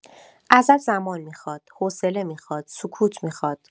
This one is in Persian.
ازت زمان می‌خواد، حوصله می‌خواد، سکوت می‌خواد.